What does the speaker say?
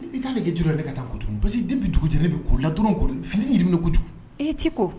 I k' ka lajɛ joona ne ka taa n ko tuguni parce que depuis ni dugu jɛra ne bɛ kolila dɔrɔn, funteni yɛrɛ bɛ ne la kojugu, ɛɛ t'i ko